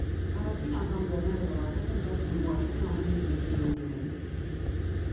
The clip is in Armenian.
Առաջին անգամ ձեռները հեռախոս են վերցնում ու արդեն ամեն ինչ մեջը ջոգում ե՜ն։